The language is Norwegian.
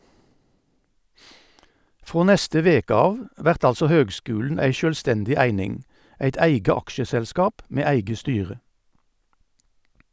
Frå neste veke av vert altså høgskulen ei sjølvstendig eining, eit eige aksjeselskap med eige styre.